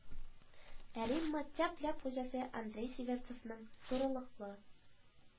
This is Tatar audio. Ә Римма «Тяп-ляп» хуҗасы Андрей Северцевның турылыклы